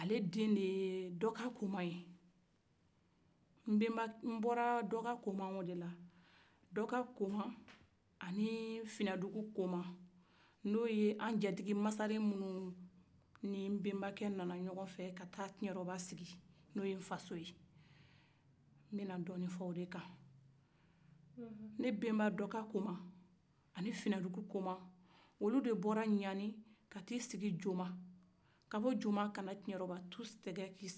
dɔkakoma ani finadugukoma n'o ye an jatigi masaren minu ni nbenba nana ɲɔgɔfɛ ka taa kiɲɛrɔba sigi n'o ye nfa so ye nbɛ na dɔni fɔ o de kan ne benba dɔkakoma ani finadugukoma olu de bɔra ɲani ka t'i sigi joma ka bɔ joma ka na kiɲɛrɔba tu tɛ gɛ k'i sigi